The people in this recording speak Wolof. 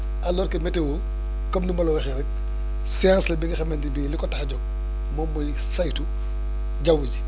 alors que météo comme ni ma la waxee rek science la bi nga xamante bii li ko tax a jóg moom mooy saytu jaww ji